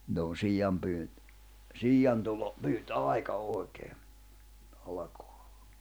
nyt on siianpyynti siiantulo pyyntiaika oikein alkaa